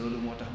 loolu moo tax